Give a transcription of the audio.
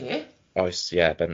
Oes ie bendant.